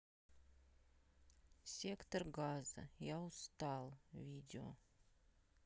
сектор газа я устал видео